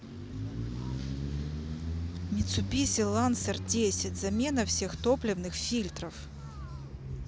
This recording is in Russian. митсубиси лансер десять замена всех топливных фильтров